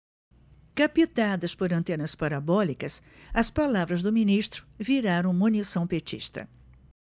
captadas por antenas parabólicas as palavras do ministro viraram munição petista